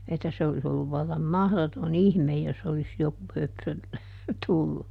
että se olisi ollut vallan mahdoton ihme jos olisi joku höpsö tullut